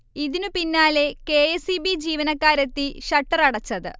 ഇതിന് പിന്നാലെയാണ് K. S. E. B. ജീവനക്കാരെത്തി ഷട്ടർ അടച്ചത്